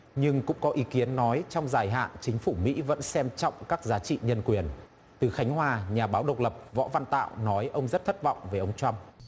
nhưng cũng có ý kiến nói trong dài hạn chính phủ mỹ vẫn xem trọng các giá trị nhân quyền từ khánh hòa nhà báo độc lập võ văn tạo nói ông rất thất vọng về ông trăm